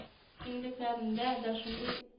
Киңлекләрендә дә шундый